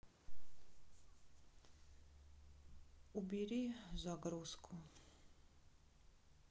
убери загрузку